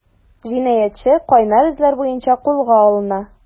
Җинаятьче “кайнар эзләр” буенча кулга алына.